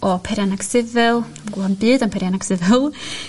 o peirianneg sifil dwim gwbo' imbud am peirianneg sifil